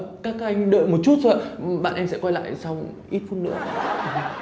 các anh đợi một chút thôi ạ bạn em sẽ quay lại sau ít phút nữa ạ